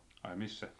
ai missä